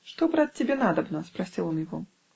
"Что, брат, тебе надобно?" -- спросил он его.